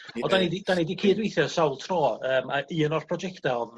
Wel 'dan ni 'di 'dan ni 'di cydweithio sawl tro yym a un o'r projecta o'dd